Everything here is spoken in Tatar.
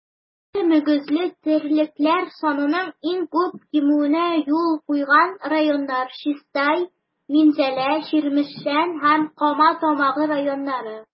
Эре мөгезле терлекләр санының иң күп кимүенә юл куйган районнар - Чистай, Минзәлә, Чирмешән һәм Кама Тамагы районнары.